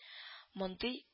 Мондый